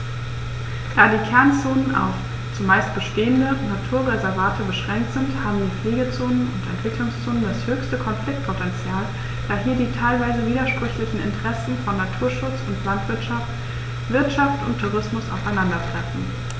Da die Kernzonen auf – zumeist bestehende – Naturwaldreservate beschränkt sind, haben die Pflegezonen und Entwicklungszonen das höchste Konfliktpotential, da hier die teilweise widersprüchlichen Interessen von Naturschutz und Landwirtschaft, Wirtschaft und Tourismus aufeinandertreffen.